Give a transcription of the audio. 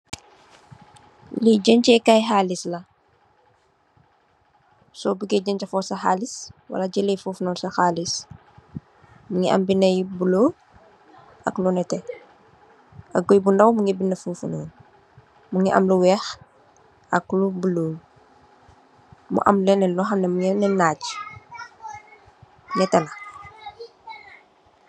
Li dencxe kai xaalis la so buge dencxa fofu sax xaalis wala jelee fofu sax xaalis mongi am binda yu bulu ak lu nete ak goi bu ndaw mongi dunda fofu nonu mongi am lu weex ak lu bulu mu am lene lu melni naag netela.